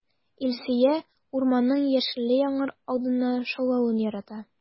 Илсөя урманның яшенле яңгыр алдыннан шаулавын ярата.